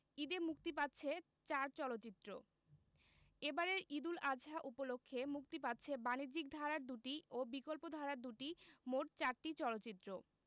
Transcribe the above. ঈদে মুক্তি পাচ্ছে চার চলচ্চিত্র এবারের ঈদ উল আযহা উপলক্ষে মুক্তি পাচ্ছে বাণিজ্যিক ধারার দুটি এবং বিকল্পধারার দুটি মোট চারটি চলচ্চিত্র